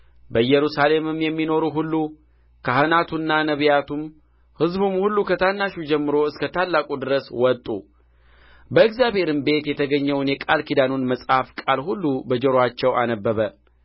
በኢየሩሳሌምም የሚኖሩ ሁሉ ካህናቱና ነቢያቱም ሕዝቡም ሁሉ ከታናሾቹ ጀምሮ እስከ ታላቆቹ ድረስ ወጡ በእግዚአብሔርም ቤት የተገኘውን የቃል ኪዳኑን መጽሐፍ ቃል ሁሉ በጆሮአቸው አነበበ